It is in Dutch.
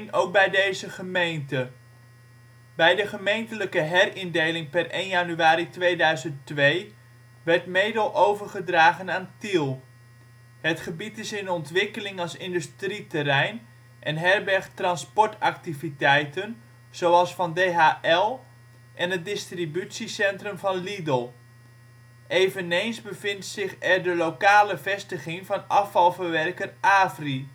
ook bij deze gemeente. Bij de gemeentelijke herindeling per 1 januari 2002 werd Medel overgedragen aan Tiel. Het gebied is in ontwikkeling als industrieterrein en herbergt transportactiviteiten zoals van DHL en het distributiecentrum van Lidl. Eveneens bevindt zich er de lokale vestiging van afvalverwerker AVRI